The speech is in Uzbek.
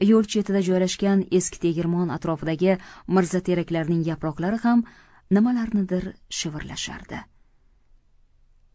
yo'l chetida joyiashgan eski tegirmon atrofidagi mirzateraklarning yaproqlari ham nimalarnidir shivirlashardi